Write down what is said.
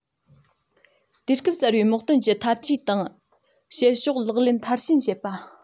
དུས སྐབས གསར པའི དམག དོན གྱི འཐབ ཇུས དང བྱེད ཕྱོགས ལག ལེན མཐར ཕྱིན བྱེད པ